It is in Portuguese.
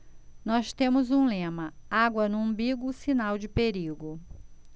nós temos um lema água no umbigo sinal de perigo